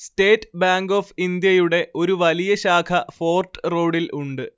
state Bank of ഇന്ത്യയുടെ ഒരു വലിയ ശാഖ ഫോര്‍ട്ട് റോഡില്‍ ഉണ്ട്